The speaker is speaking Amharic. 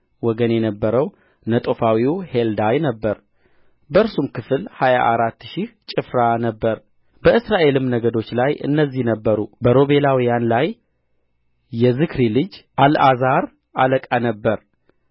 ወገን የነበረው ነጦፋዊው ሔልዳይ ነበረ በእርሱም ክፍል ሀያ አራት ሺህ ጭፍራ ነበረ በእስራኤልም ነገዶች ላይ እነዚህ ነበሩ በሮቤላውያን ላይ የዝክሪ ልጅ አልዓዛር አለቃ ነበረ